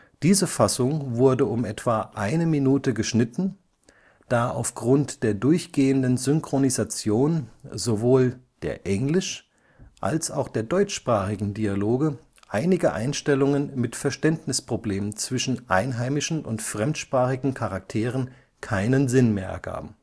Diese Fassung wurde um etwa eine Minute geschnitten, da aufgrund der durchgehenden Synchronisation sowohl der englisch - als auch der deutschsprachigen Dialoge einige Einstellungen mit Verständnisproblemen zwischen einheimischen und fremdsprachigen Charakteren keinen Sinn mehr ergaben